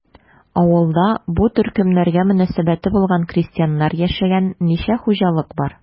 Авылда бу төркемнәргә мөнәсәбәте булган крестьяннар яшәгән ничә хуҗалык бар?